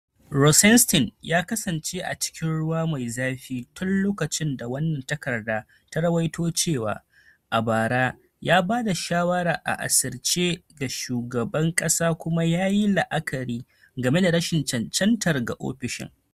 Rosenstein ya kasance a cikin ruwan zafi tun lokacin da wannan takarda ta ruwaito cewa, a bara, ya bada shawara a asirce ga shugaban kasa kuma ya yi la'akari game da rashin cancantar sa ga ofishin.